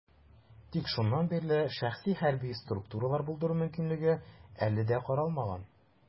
Тик шуннан бирле шәхси хәрби структуралар булдыру мөмкинлеге әле дә каралмаган.